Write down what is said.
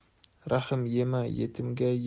rahm yema yetimga